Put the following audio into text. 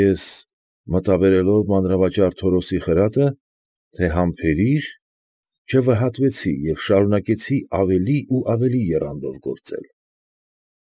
Ես, մտաբերելով մանրավաճառ Թորոսի խրատը, թե «համբերիր», չվհատվեցի և շարունակեցի ավելի ու ավելի եռանդով գործել։